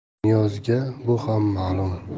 niyozga bu ham malum